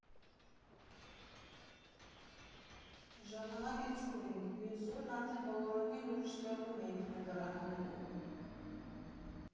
Ժամանակ էլ չունեինք, մյուս օրն արդեն բոլորովին ուրիշ տեղում էինք նկարահանելու…